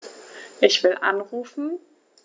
Ich will anrufen.